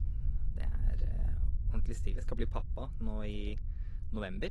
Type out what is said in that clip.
Det er ordentlig stilig, skal bli pappa nå i november.